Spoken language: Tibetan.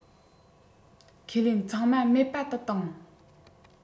ཁས ལེན ཚང མ མེད པ དུ བཏང